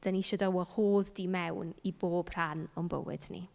Dan ni isio dy o wahodd di mewn i bob rhan o'n bywyd ni.